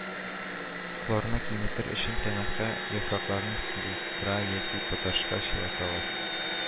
Хлорны киметер өчен тәмәке яфракларын селитра яки поташка чылаталар